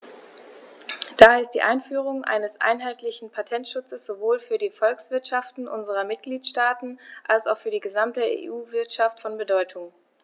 Daher ist die Einführung eines einheitlichen Patentschutzes sowohl für die Volkswirtschaften unserer Mitgliedstaaten als auch für die gesamte EU-Wirtschaft von Bedeutung.